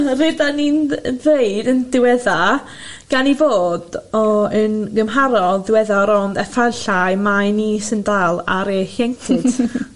ryda ni'n ddeud yn diwedda gan i fod o yn gymharol ddiweddar ond effarllai mae ni sy'n dal ar ein hienctid